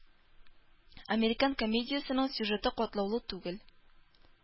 «американ» комедиясенең сюжеты катлаулы түгел.